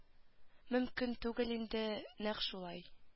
Мөмкин түгел иде нәкъ шулай